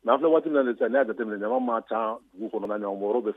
N fana waati na sa n'a jate ɲama maa tan dugu kɔnɔna ɲɔgɔn bɛ